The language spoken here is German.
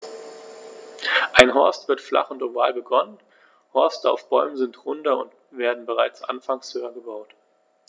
Ein Horst wird flach und oval begonnen, Horste auf Bäumen sind runder und werden bereits anfangs höher gebaut.